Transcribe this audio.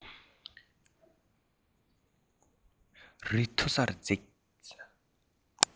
རི མཐོ སར འཛེགས